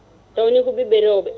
tawni ko ɓiɓɓe rewvɓe